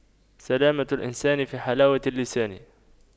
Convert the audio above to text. سلامة الإنسان في حلاوة اللسان